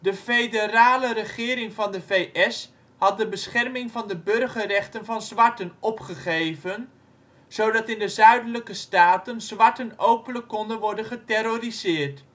federale regering van de VS had de bescherming van de burgerrechten van zwarten opgegeven, zodat in de Zuidelijke staten zwarten openlijk konden worden geterroriseerd